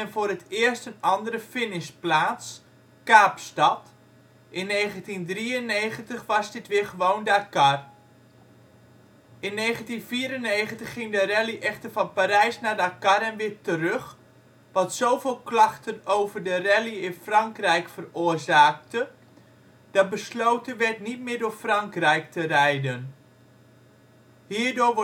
voor het eerst een andere finishplaats, Kaapstad, in 1993 was dit weer gewoon Dakar. In 1994 ging de rally echter van Parijs naar Dakar en weer terug, wat zoveel klachten over de rally in Frankrijk veroorzaakte dat besloten werd niet meer door Frankrijk te rijden. Hierdoor